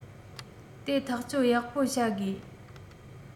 དེ ཐག གཅོད ཡག པོ བྱ དགོས